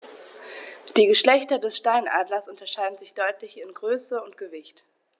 Die Geschlechter des Steinadlers unterscheiden sich deutlich in Größe und Gewicht.